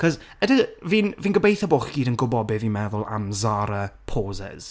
cos, ydi... fi'n fi'n gobeithio bo' chi gyd yn gwbo' be' fi'n meddwl am Zara poses.